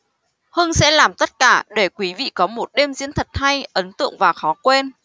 hưng sẽ làm tất cả để quý vị có một đêm diễn thật hay ấn tượng và khó quên